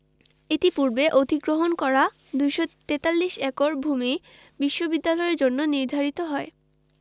ইতিপূর্বে অধিগ্রহণ করা ২৪৩ একর ভূমি বিশ্ববিদ্যালয়ের জন্য নির্ধারিত হয়